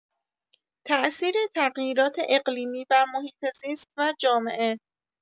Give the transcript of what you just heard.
تاثیر تغییرات اقلیمی بر محیط‌زیست و جامعه